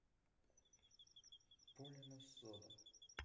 polina сода